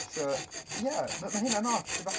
So ia ma' ma' hynna'n odd sut fath-...